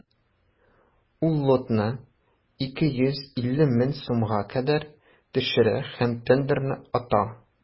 Ул лотны 250 мең сумга кадәр төшерә һәм тендерны ота.